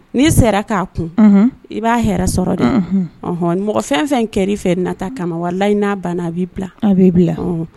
N'i sera k'a kun i b'a hɛrɛ sɔrɔ de ɔɔn mɔgɔ fɛn fɛn kɛ fɛ nata kama wala layi n'a banna a b'i bila a bɛ bila h